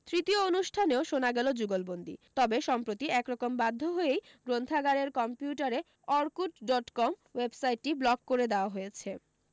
তৃতীয় অনুষ্ঠানেও শোনা গেল যুগলবন্দি তবে সম্প্রতি এক রকম বাধ্য হয়েই গ্রন্থাগারের কম্পিউটারে অর্কূট ডট কম ওয়েবসাইটটি ব্লক করে দেওয়া হয়েছে